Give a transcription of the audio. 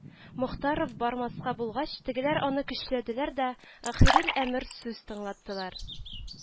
Мохтаров бармаска булгач, тегеләр аны көчләделәр дә ахирел әмер сүз тыңлаттылар